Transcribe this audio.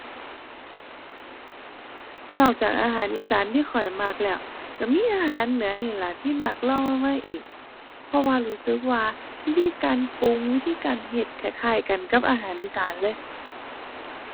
นอกจากอาหารอีสานที่ข้อยมักแล้ว ก็มีอาหารเหนือนี่ล่ะที่มักรองลงมาอีก เพราะว่ารู้สึกว่าวิธีการปรุง วิธีการเฮ็ดคล้ายคล้ายกันกับอาหารอีสานเลย